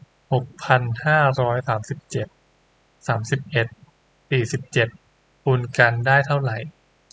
หกพันห้าร้อยสามสิบเจ็ดสามสิบเอ็ดสี่สิบเจ็ดคูณกันได้เท่าไหร่